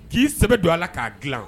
K'i sɛbɛnbɛ don a la k'a dilan